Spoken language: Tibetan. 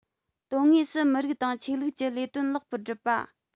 དོན དངོས སུ མི རིགས དང ཆོས ལུགས ཀྱི ལས དོན ལེགས པོར སྒྲུབ པ